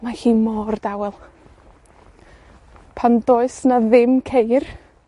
mae hi mor dawel. Pan does 'na ddim ceir